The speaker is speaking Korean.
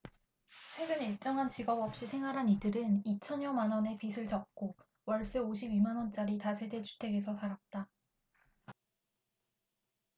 최근 일정한 직업 없이 생활한 이들은 이 천여만원의 빚을 졌고 월세 오십 이 만원짜리 다세대 주택에서 살았다